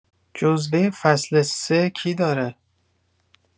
جزوه فصل ۳ کی داره؟